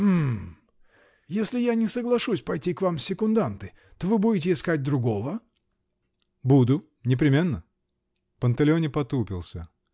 -- Гм. Если я не соглашусь пойти к вам в секунданты, -- то вы будете искать другого? -- Буду. непременно. Панталеоне потупился.